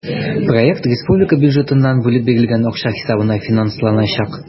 Проект республика бюджетыннан бүлеп бирелгән акча хисабына финансланачак.